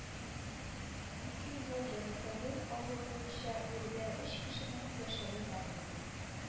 ИКЕ ел җанисәбен алу буенча биредә өч кешенең яшәве мәгълүм